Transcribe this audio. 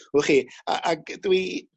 welwch chi. A ag dwi